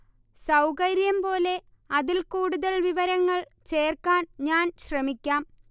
സൗകര്യം പോലെ അതിൽ കൂടുതൽ വിവരങ്ങൾ ചേർക്കാൻ ഞാൻ ശ്രമിക്കാം